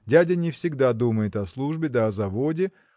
Дядя не всегда думает о службе да о заводе